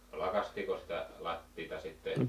no lakaistiinko sitä lattiaa sitten